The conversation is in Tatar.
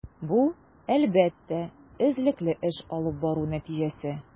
Бу, әлбәттә, эзлекле эш алып бару нәтиҗәсе.